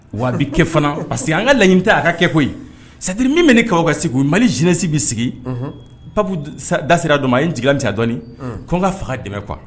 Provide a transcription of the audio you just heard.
Wabi kɛ fana parce que an ka laɲinimi ta a ka kɛ koyi satiri min bɛ ka ka segu mali jinɛsin bɛ sigi pabu da sira dɔ ma a ye jya dɔɔnini ko n ka faga dɛmɛ kuwa